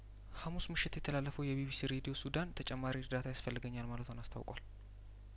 ሀሙስ ምሽት የተላለፈው የቢቢሲ ሬዲዮ ሱዳን ተጨማሪ እርዳታ ያስፈልገኛል ማለቷን አስታውቋል